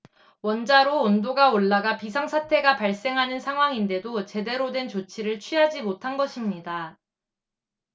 원자로 온도가 올라가 비상 사태가 발생하는 상황인데도 제대로 된 조치를 취하지 못한 것입니다